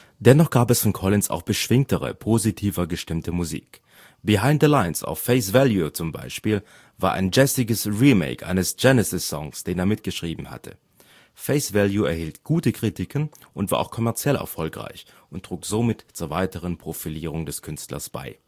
Dennoch gab es von Collins auch beschwingtere, positiver gestimmte Musik; Behind the Lines auf Face Value z. B. war ein jazziges Remake eines Genesis-Songs, den er mitgeschrieben hatte. Face Value erhielt gute Kritiken und war auch kommerziell erfolgreich und trug somit zur weiteren Profilierung des Künstlers bei